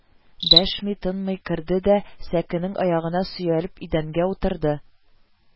Дәшми-тынмый керде дә, сәкенең аягына сөялеп идәнгә утырды